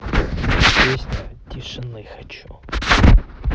песня тишины хочу